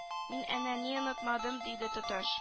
Мин әннә не онытмадым диде тотыш